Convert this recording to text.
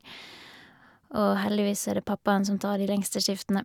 Og heldigvis så er det pappaen som tar de lengste skiftene.